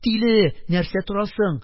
Тиле, нәрсә торасың!